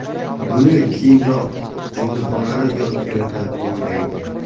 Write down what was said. buni keyinroq jinnixonada yotganida o'ylaydi